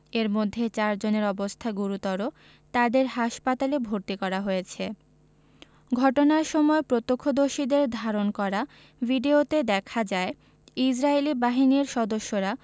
এর মধ্যে চারজনের অবস্থা গুরুত্বর তাদের হাসপাতালে ভর্তি করা হয়েছে ঘটনার সময় প্রত্যক্ষদর্শীদের ধারণ করা ভিডিওতে দেখা যায় ইসরাইলী বাহিনীর সদস্যরা